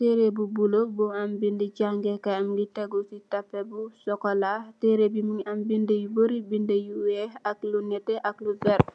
tereh bu blue bu am bindi jangeh kai Mungi tegu sey tapeh bu sokola tereh bi Mungi am binda yu barri binda yu weih ak yu neteh ak yu verteh .